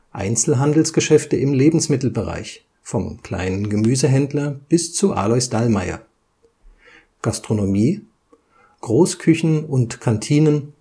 Einzelhandelsgeschäfte im Lebensmittelbereich, vom kleinen Gemüsehändler bis zu Alois Dallmayr. Gastronomie Großküchen und Kantinen